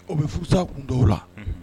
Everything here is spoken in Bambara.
O bɛ futasa kun dɔw la